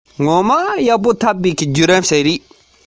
འདྲ བར མགོ བོ དུད ནས